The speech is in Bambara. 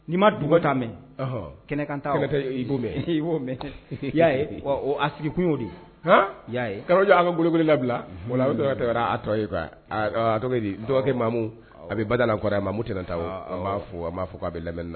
Ni'i ma dug ta mɛn kɛnɛkan io mɛno mɛn y'a ye a sigikun y'o diajɛ a bɛ bolola bila ye dɔgɔkɛ mamu a bɛ badalaɔrɛ mamu tɛna taa b' fɔ a'a fɔ a bɛ lamɛn